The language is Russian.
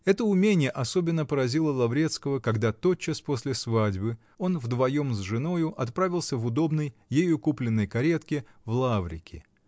Это уменье особенно поразило Лаврецкого, когда, тотчас после свадьбы, он вдвоем с женою отправился в удобной, ею купленной каретке в Лаврики.